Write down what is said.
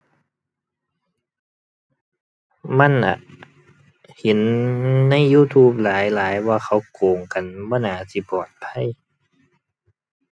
มันน่ะ เห็นใน YouTube หลายหลายว่าเขาโกงกัน บ่น่าสิปลอดภัย